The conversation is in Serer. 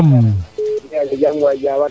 nu yaare jam waay Diawa